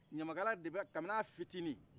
ɲamakala kabini a fitinin